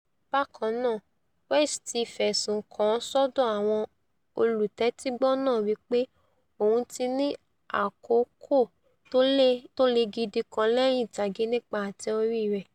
Bákannáà, West ti fẹ̀sùn kan sọ́dọ̀ àwọn olùtẹ́tígbọ́ náà wí pé òun ti ní àkókò tóle gidi kan lẹ́yìn ìtàgé nípa ate-ori rẹ̀.